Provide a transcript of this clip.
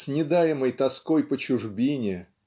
снедаемый тоской по чужбине